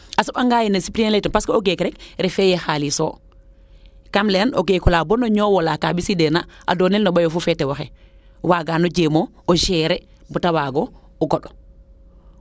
a soɓa ngaaye ne supplier leytan parce que o gek rek refee ye xalis o kam leyan o gekola bono ñowola kaa ɓisiideena a doonel no ɓayof wo fee tewoxe wagano jeemo o gérer bata waago o goɗ